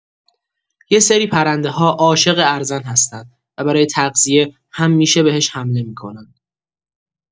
یه سری پرنده‌ها عاشق ارزن هستن و برای تغذیه همیشه بهش حمله می‌کنن.